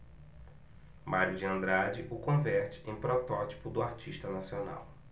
mário de andrade o converte em protótipo do artista nacional